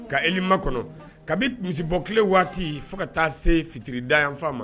Ka e ma kɔnɔ kabi misi bɔ kelen waati fo ka taa se fitiri da yanfan ma